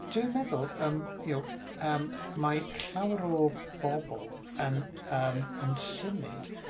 Dwi'n meddwl yym y'know yym mae llawer o bobl yn yym yn symud.